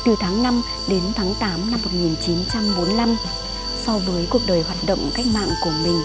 từ tháng đến tháng năm so với cuộc đời hoạt động cách mạng của mình